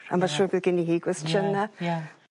A ma' siŵr... Ie. ...bydd geni hi gwestyna. Ie ie.